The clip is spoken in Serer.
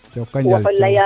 jokonjal Thiaw